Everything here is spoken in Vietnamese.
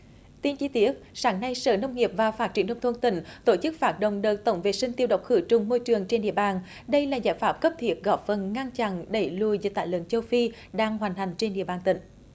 tin chi tiết sáng nay sở nông nghiệp và phát triển nông thôn tỉnh tổ chức phát động đợt tổng vệ sinh tiêu độc khử trùng môi trường trên địa bàn đây là giải pháp cấp thiết góp phần ngăn chặn đẩy lùi dịch tả lợn châu phi đang hoành hành trên địa bàn tỉnh